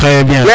Trés bien